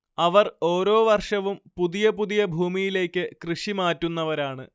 അവർ ഓരോ വർഷവും പുതിയ പുതിയ ഭൂമിയിലേക്ക് കൃഷി മാറ്റുന്നവരാണ്‌